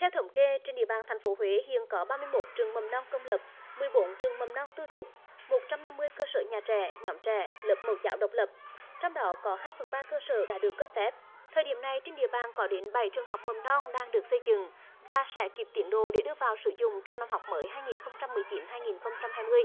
theo thống kê trên địa bàn thành phố huế hiện có ba mươi mốt trường mầm non công lập mười bốn trường mầm non tư thục một trăm năm mươi cơ sở nhà trẻ nhóm trẻ lớp mẫu giáo độc lập trong đó có hai phần ba cơ sở đã được cấp phép thời điểm này trên địa bàn có đến bảy trường học mầm non đang được xây dựng và sẽ kịp tiến độ để đưa vào sử dụng trong năm học mới hai nghìn không trăm mười chín hai nghìn không trăm hai mươi